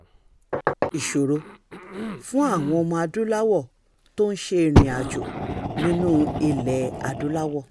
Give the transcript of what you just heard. Ìṣòro: Fún àwọn Ọmọ-adúláwọ̀ tí ó ń ṣe ìrìnàjò nínúu Ilẹ̀-adúláwọ̀